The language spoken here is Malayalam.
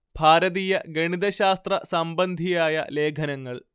ഭാരതീയ ഗണിത ശാസ്ത്ര സംബന്ധിയായ ലേഖനങ്ങൾ